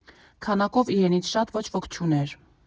Քանակով իրենից շատ ոչ ոք չուներ։